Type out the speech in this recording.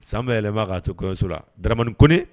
San bɛ yɛlɛma k'a to kɔɲɔso la Daramani Kɔnɛ